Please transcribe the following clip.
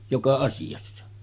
joka asiassa